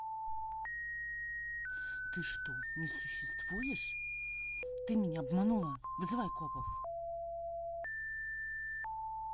ты что не существуешь ты меня обманула вызывай копов